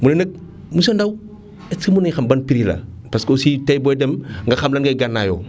mu ne nag monsieur Ndao est ce que mën nañu xam ban prix la parce que aussi tey booy dem nga xam lan ngay gànnaayoo